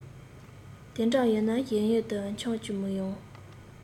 དེ འདྲ ཡོད ན གཞན ཡུལ དུ ཁྱམས བཅུག མི ཡོང